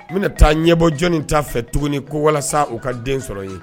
N bi na taa ɲɛbɔ jɔnni ta fɛ tuguni ko walasa u ka den sɔrɔ n ye?